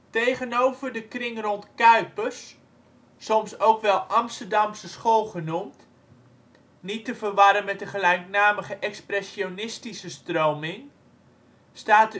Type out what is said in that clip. Tegenover de kring rond Cuypers, soms ook wel Amsterdamse School genoemd (niet te verwarren met de gelijknamige Expressionistische stroming), staat